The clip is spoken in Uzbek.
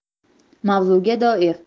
mavzuga doir